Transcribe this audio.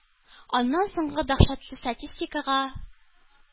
Аннан соңгы дәһшәтле статистикага,